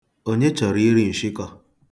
Onye chọrọ iri nshịkọ?